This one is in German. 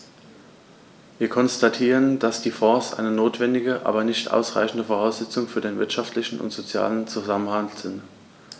Wir konstatieren, dass die Fonds eine notwendige, aber nicht ausreichende Voraussetzung für den wirtschaftlichen und sozialen Zusammenhalt sind.